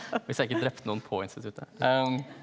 hvis jeg ikke drepte noen på instituttet .